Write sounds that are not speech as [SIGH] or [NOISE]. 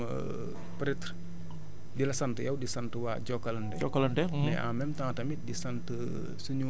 [HESITATION] [HESITATION] voilà di sant ñoom [HESITATION] peut être di la sant yow di sant waa Jokalante